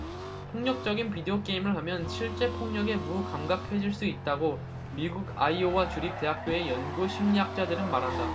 폭력적인 비디오 게임을 하면 실제 폭력에 무감각해질 수 있다고 미국 아이오와 주립 대학교의 연구 심리학자들은 말한다